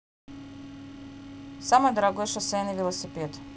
самый дорогой шоссейный велосипед